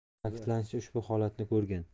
ta'kidlanishicha ushbu holatni ko'rgan